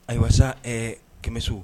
Ayiwa walasa kɛmɛso